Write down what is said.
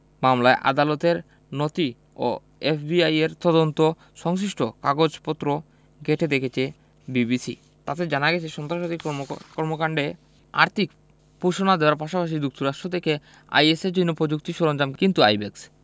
মামলায় আদালতের নথি ও এফবিআইয়ের তদন্ত সংশ্লিষ্ট কাগজপত্র ঘেঁটে দেখেছে বিবিসি তাতে জানা গেছে সন্ত্রাসবাদী কর্ম কর্মকাণ্ডে আর্থিক প্রণোদনা দেওয়ার পাশাপাশি যুক্তরাষ্ট্র থেকে আইএসের জন্য প্রযুক্তি সরঞ্জাম কিনত আইব্যাকস